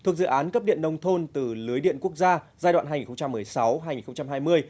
thuộc dự án cấp điện nông thôn từ lưới điện quốc gia giai đoạn hai nghìn không trăm mười sáu hai nghìn không trăm hai mươi